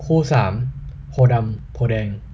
คู่สามโพธิ์ดำโพธิ์แดง